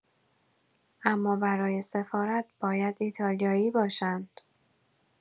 اما برای سفارت باید ایتالیایی باشن.